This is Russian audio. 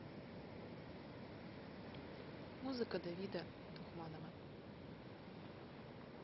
музыка давида тухманова